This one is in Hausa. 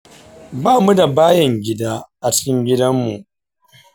bamu da bayin gida a cikin gidanmu.